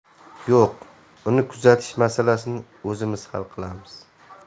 yo'q uni kuzatish masalasini o'zimiz hal qilamiz